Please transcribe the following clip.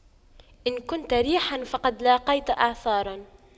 إن كنت ريحا فقد لاقيت إعصارا